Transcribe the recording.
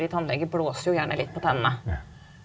vi tannleger blåser jo gjerne litt på tennene.